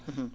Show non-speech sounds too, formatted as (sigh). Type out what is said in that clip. (hesitation) (hesitation)